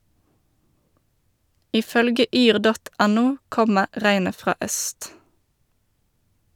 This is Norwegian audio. I følge yr.no kommer regnet fra øst.